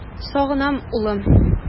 Сагынам, улым!